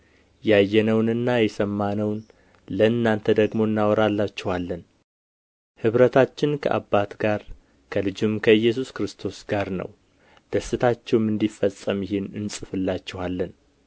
ያየነውንና የሰማነውን ለእናንተ ደግሞ እናወራላችኋለን ኅብረታችንም ከአባት ጋር ከልጁም ከኢየሱስ ክርስቶስ ጋር ነው ደስታችሁም እንዲፈጸም ይህን እንጽፍላችኋለን